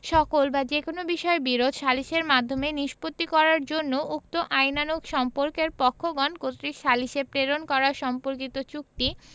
সকল বা যে কোন বিষয়ের বিরোধ সালিসের মাধ্যমে নিষ্পত্তি করার জন্য উক্ত আইনানুগ সম্পর্কের পক্ষগণ কর্তৃক সালিসে প্রেরণ করা সম্পর্কিত চুক্তি